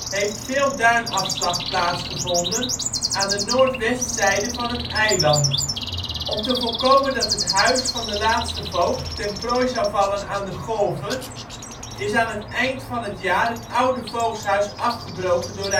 heeft veel duinafslag plaatsgevonden aan de noordwestzijde van het eiland. Om te voorkomen dat het huis van de laatste voogd ten prooi zou vallen aan de golven is aan het eind van het jaar het oude voogdshuis afgebroken door